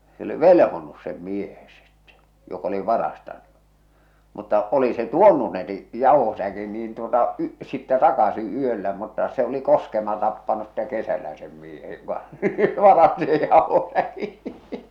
se oli velhonnut sen miehen sitten joka oli varastanut mutta oli se tuonut ne niin jauhosäkin niin tuota - sitten takaisin yöllä mutta se oli koskema tappanut sitten kesällä sen miehen joka varasti sen jauhosäkin